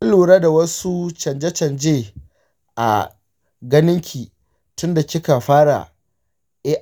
kin lura da wasu canje canje a ganinki tinda kika fara